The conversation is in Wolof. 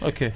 ok